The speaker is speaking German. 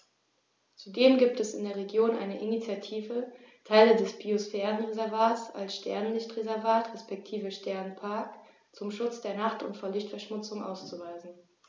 Zudem gibt es in der Region eine Initiative, Teile des Biosphärenreservats als Sternenlicht-Reservat respektive Sternenpark zum Schutz der Nacht und vor Lichtverschmutzung auszuweisen.